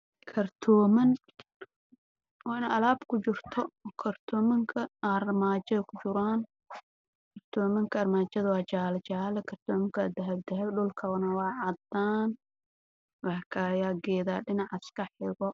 Waa gaari kartoomo jaale ah ku raranyihiin